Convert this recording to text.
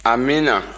amiina